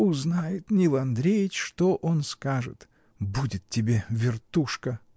— Узнает Нил Андреич, что он скажет? Будет тебе, вертушка!